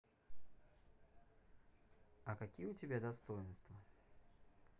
а какие у тебя достоинства